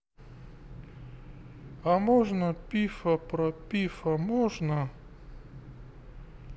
а можно пифа про пифа можно